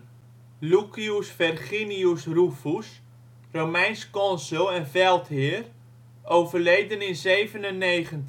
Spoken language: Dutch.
Lucius Verginius Rufus, Romeins consul en veldheer (overleden 97